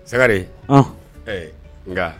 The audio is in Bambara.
Sari ɛɛ nka